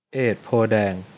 เอดโพธิ์แดง